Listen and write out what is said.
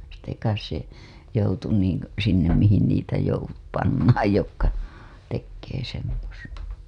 sitten kai se joutui niin - sinne mihin niitä - pannaan jotka tekee semmoista